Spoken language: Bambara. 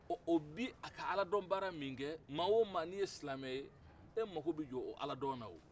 ɔ o a b'a ka aladɔnbaara min kɛ maa o maa n'i ye silamɛ ye e mako bɛ jɔ o aladɔn na o